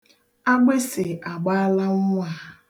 Agbịsị agbaala nwa a.